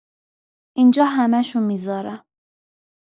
اینجا همشو می‌زارم